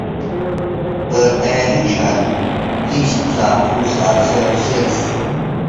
เปิดแอร์ให้ฉันยี่สิบสามองศาเซลเซียส